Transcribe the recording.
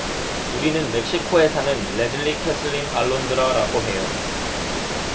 우리는 멕시코에 사는 레즐리 케슬린 알론드라라고 해요